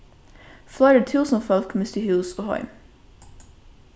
fleiri túsund fólk mistu hús og heim